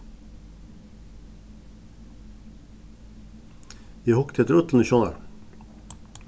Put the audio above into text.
eg hugdi at øllum í sjónvarpinum